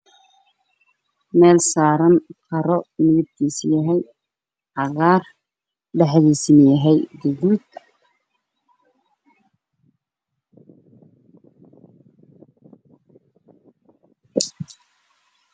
Waa qaro kalarkiisii yahay cagaar